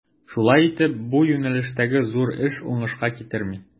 Шулай итеп, бу юнәлештәге зур эш уңышка китерми.